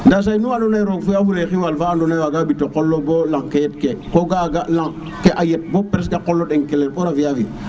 nda soy nu andona ye roog fiya fule xiiwal fa ando na ye waga ɓito qol lewo bo leng ke yet ke ka ga'a ga lang ke a yet bo bo presque qol lewo ɗekeleer ɓora fi'a fi